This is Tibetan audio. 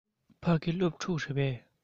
ཕ གི སློབ ཕྲུག རེད པས